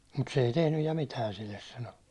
mutta se ei tehnyt ja mitään sille sanoi